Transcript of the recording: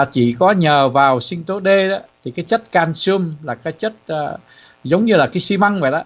chỉ có nhờ vào sinh tố đê đó thì cái chất can xi um là cái chất giống như là cái xi măng vậy đó